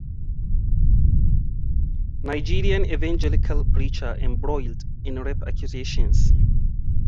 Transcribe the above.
Nigerian Evangelical preacher embroiled in rape accusations